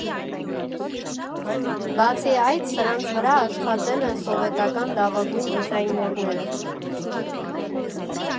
Բացի այդ, սրանց վրա աշխատել են սովետական լավագույն դիզայներները։